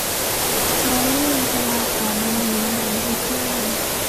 บ่มี เพราะว่าตอนนี้บ่ได้เฮ็ดงาน